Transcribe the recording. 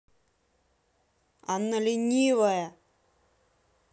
она ленивая